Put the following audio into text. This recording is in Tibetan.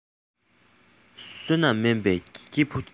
བསོད ནམས དམན པའི སྐྱེ བུ དེར